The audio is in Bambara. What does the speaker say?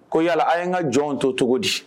Ko yala a y ye n ka jɔn to cogo di